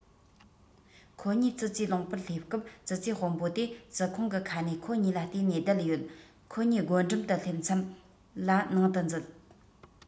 ཁོ གཉིས ཙི ཙིས ལུང པར སླེབས སྐབས ཙི ཙིའི དཔོན པོ དེ ཙི ཁུང གི ཁ ནས ཁོ གཉིས ལ བལྟས ནས བསྡད ཡོད ཁོ གཉིས སྒོ འགྲམ དུ སླེབས མཚམས ལ ནང དུ འཛུལ